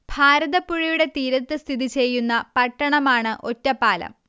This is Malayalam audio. ഭാരതപ്പുഴയുടെ തീരത്ത് സ്ഥിതി ചെയ്യുന്ന പട്ടണമാണ് ഒറ്റപ്പാലം